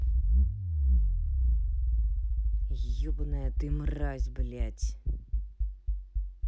ебать ты мразь блядь